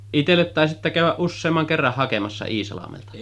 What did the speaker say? itselle taisitte käydä useamman kerran hakemassa Iisalmelta